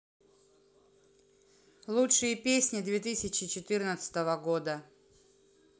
лучшие песни две тысячи четырнадцатого года